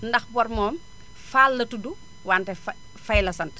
ndax bor moom Fall la tudd wante fa Faye la sant